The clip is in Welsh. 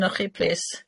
Un o chi plîs.